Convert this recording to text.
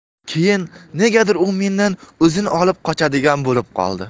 keyin negadir u mendan o'zini olib qochadigan bo'lib qoldi